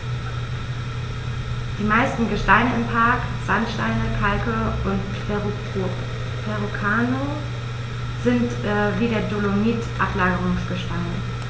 Die meisten Gesteine im Park – Sandsteine, Kalke und Verrucano – sind wie der Dolomit Ablagerungsgesteine.